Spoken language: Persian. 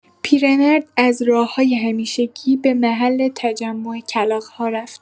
پیرمرد از راه‌های همیشگی به محل تجمع کلاغ‌ها رفت.